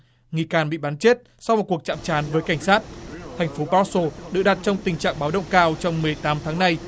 nghi can bị bắn chết sau một cuộc chạm trán với cảnh sát thành phố phát xô được đặt trong tình trạng báo động cao trong mười tám tháng nay